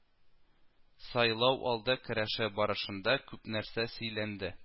Сайлау алды көрәше барышында күп нәрсә сөйләнде